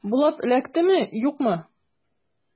Булат эләктеме, юкмы?